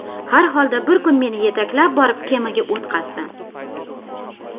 har holda bir kun meni yetaklab borib kemaga o'tqazdi